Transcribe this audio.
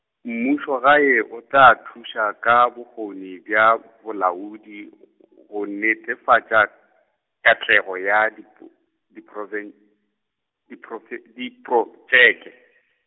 mmušo gae, o tla thuša ka bokgoni bja bolaodi, go netefatša katlego ya, di po-, di provin-, di prove-, diprotšeke.